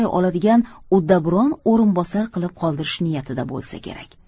oladigan uddaburon o'rinbosar qilib qoldirish niyatida bo'lsa kerak